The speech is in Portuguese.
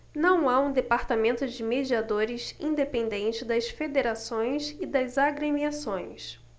não há um departamento de mediadores independente das federações e das agremiações